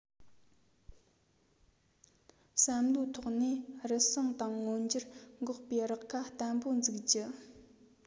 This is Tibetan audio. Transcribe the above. བསམ བློའི ཐོག ནས རུལ སུངས དང ངོ འགྱུར འགོག པའི རགས ཁ བརྟན པོ འཛུགས རྒྱུ